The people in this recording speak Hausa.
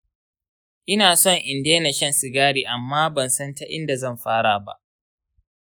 ina so in daina shan sigari amma ban san ta inda zan fara ba.